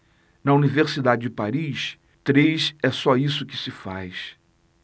na universidade de paris três é só isso que se faz